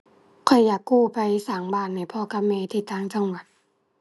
ข้อยอยากกู้ไปสร้างบ้านให้พ่อกับแม่ที่ต่างจังหวัด